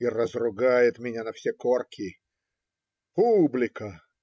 И разругает меня на все корки. Публика.